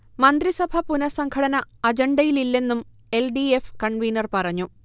മന്ത്രിസഭ പുനഃസംഘടന അജണ്ടയിലില്ലെന്നും എൽ. ഡി. എഫ്. കൺവീനർ പറഞ്ഞു